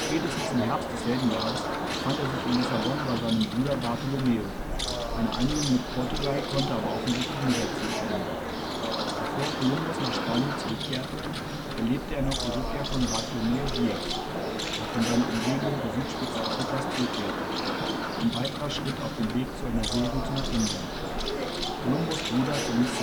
Spätestens im Herbst desselben Jahres befand er sich in Lissabon bei seinem Bruder Bartolomeo, eine Einigung mit Portugal konnte aber offensichtlich nicht erzielt werden. Bevor Kolumbus nach Spanien zurückkehrte, erlebte er noch die Rückkehr von Bartolomëu Diaz, der von seiner Umsegelung der Südspitze Afrikas zurückkehrte (ein weiterer Schritt auf dem Weg zu einer Seeroute nach Indien). Kolumbus ' Bruder verließ